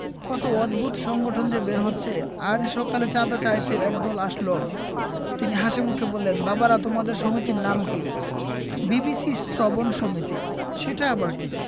কত অদ্ভুত সংগঠন যে বের হচ্ছে আজ সকালে চাঁদা চাইতে একদল আসল তিনি হাসিমুখে বললেন বাবারা তোমাদের সমিতির নাম কি বিবিসি শ্রবণ সমিতি সেটা আবার কি